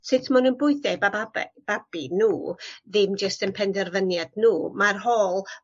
sut ma' nw'n bwythe eu bababe babi n'w ddim jyst yn penderfyniad n'w ma'r whole